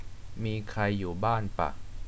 มีใครอยู่บ้านปะ